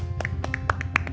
nói